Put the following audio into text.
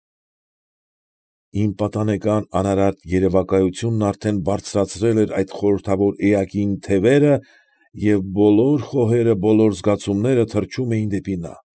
Իմ պատանեկան անարատ երևակայությունն արդեն բարձրացրել էր այդ խորհրդավոր էակին եթերը, և բոլոր խոհերը, բոլոր զգացումները թռչում էին դեպի նա։